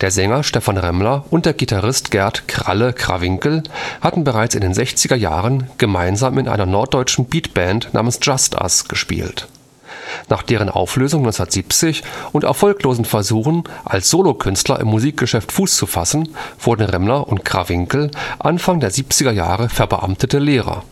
Sänger Stephan Remmler und der Gitarrist Gert „ Kralle “Krawinkel hatten bereits in den 1960er Jahren gemeinsam in einer norddeutschen Beatband namens Just Us gespielt. Nach deren Auflösung 1970 und erfolglosen Versuchen, als Solokünstler im Musikgeschäft Fuß zu fassen, wurden Remmler und Krawinkel Anfang der 1970er Jahre verbeamtete Lehrer